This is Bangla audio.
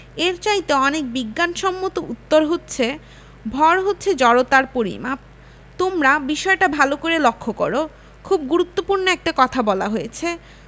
এর চাইতে অনেক বিজ্ঞানসম্মত উত্তর হচ্ছে ভর হচ্ছে জড়তার পরিমাপ তোমরা বিষয়টা ভালো করে লক্ষ করো খুব গুরুত্বপূর্ণ একটা কথা বলা হয়েছে